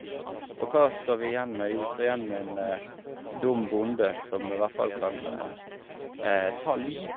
Og hva står vi igjen med, jo, vi står igjen med en dum bonde som hvert fall kan ta liv.